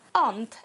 Ond